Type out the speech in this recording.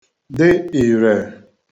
dị irẹ̀